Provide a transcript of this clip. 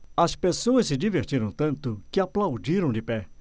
as pessoas se divertiram tanto que aplaudiram de pé